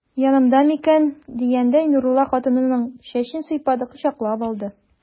Янымдамы икән дигәндәй, Нурулла хатынының чәчен сыйпады, кочаклап алды.